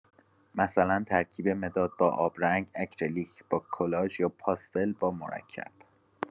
مثلا ترکیب مداد با آبرنگ، اکریلیک با کلاژ یا پاستل با مرکب.